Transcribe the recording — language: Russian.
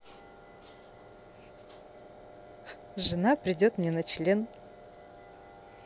жена придет мне на член